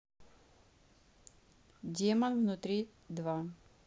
демон внутри два